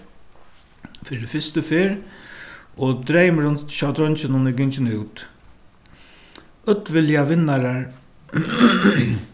fyri fyrstu ferð og dreymurin hjá dreingjunum er gingin út øll vilja vinnarar